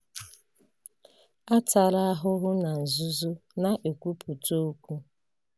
Atala ahụhụ na nzuzo— na-ekwupụta okwu.